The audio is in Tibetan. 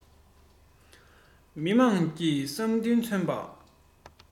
མི དམངས ཀྱི བསམ འདུན མཚོན པ